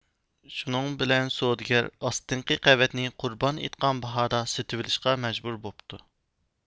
شۇنىڭ بىلەن سودىگەر ئاستىنقى قەۋەتنى قۇربان ئېيتقان باھادا سېتىۋېلىشقا مەجبۇر بوپتۇ